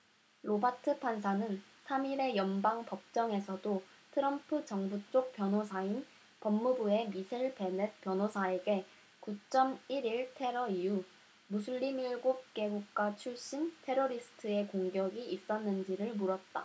로바트 판사는 삼 일의 연방법정에서도 트럼프 정부쪽 변호사인 법무부의 미셀 베넷 변호사에게 구 쩜 일 일 테러 이후 무슬림 일곱 개국가 출신 테러리스트의 공격이 있었는지를 물었다